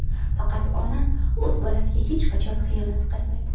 faqat ona o'z bolasiga hech qachon xiyonat qilmaydi